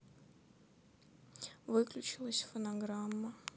выключилась фонограмма